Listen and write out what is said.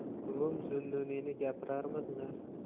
buvim zunnuniyni gapirarmidilar